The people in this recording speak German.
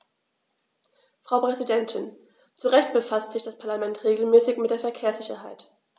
Frau Präsidentin, zu Recht befasst sich das Parlament regelmäßig mit der Verkehrssicherheit.